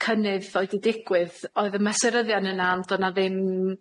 cynnydd oedd 'di digwydd. Oedd y mesuryddion yna, ond do' 'na ddim